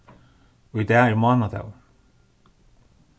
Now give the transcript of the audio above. í dag er mánadagur